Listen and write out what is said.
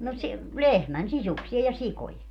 no - lehmän sisuksia ja sikojen